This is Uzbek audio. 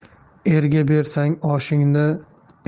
erga bersang oshingni